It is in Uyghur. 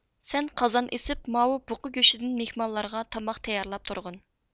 سەن قازان ئېسىپ ماۋۇ بۇقا گۆشىدىن مېھمانلارغا تاماق تەييارلاپ تۇرغىن